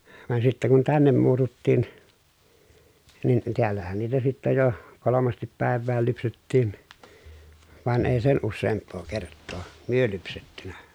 vaan sitten kun tänne muututtiin niin täällähän niitä sitten jo kolmasti päivään lypsettiin vaan ei sen useampaa kertaa me lypsetty